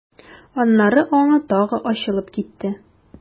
Аннары аңы тагы ачылып китте.